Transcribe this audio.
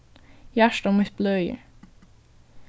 hjarta mítt bløðir